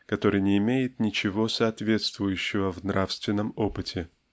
который не имеет ничего соответствующего в нравственном опыте.